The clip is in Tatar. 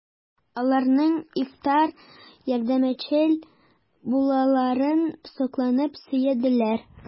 Аларның ифрат ярдәмчел булуларын сокланып сөйләделәр.